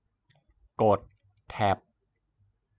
กดแท็บ